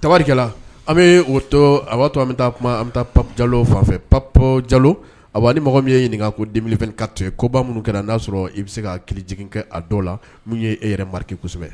tarikɛla an bɛ oo to a'a to an bɛ taa kuma an bɛ taa pap jalo fanfɛ pap jalo a wa ni mɔgɔ min ye ɲininkaka ko dum ka to koba minnu kɛra n y'a sɔrɔ i bɛ se k ka ki jigin kɛ a dɔw la min ye e yɛrɛ maririkesɛbɛ kosɛbɛ